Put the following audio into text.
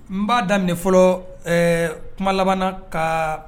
N b'a dan de fɔlɔ kuma labanana ka